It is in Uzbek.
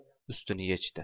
ustini yechdi